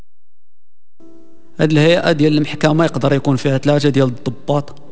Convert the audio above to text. الهيئه المحكمه ما يقدر يكون فيها ثلاجه ضباط